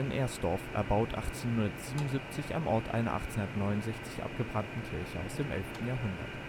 Ersdorf (erbaut 1877 am Ort einer 1869 abgebrannten Kirche aus dem 11. Jahrhundert